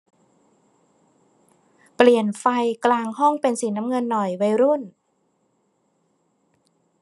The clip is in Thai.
เปลี่ยนไฟกลางห้องเป็นสีน้ำเงินหน่อยวัยรุ่น